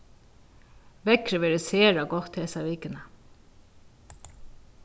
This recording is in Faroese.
veðrið verður sera gott hesa vikuna